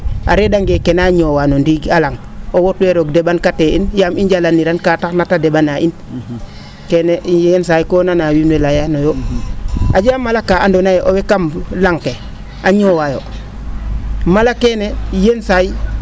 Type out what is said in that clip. a re?'angee kee naa ñoowaa no ndiig a lang o moytuwangee roog de?ankatee in yaam i njalaniran kaa taxna te de?anaa in keene yenisaay ko nanaa wiin we leyanooyo a jega mala kaa andoona ye owey kam lang ke a ñoowaayo mala keene yenisaay